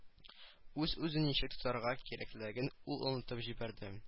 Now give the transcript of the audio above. Үз-үзен ничек тотарга кирәклеген ул онытып җибәрде